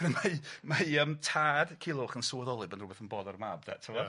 Wedyn mae mae yym tad Culhwch yn sylweddoli bod rwbeth yn bod a'r mab de t'mo'? Ia.